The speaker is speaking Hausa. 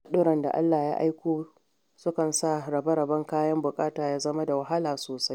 Haɗuran da Allah ya aiko sukan sa rabe-raben kayan buƙata ya zama da wahala sosai.